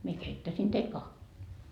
minä keittäisin teille kahvia